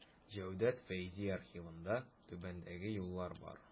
Җәүдәт Фәйзи архивында түбәндәге юллар бар.